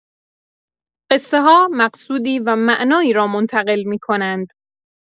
قصه‌ها مقصودی و معنایی را منتقل می‌کنند.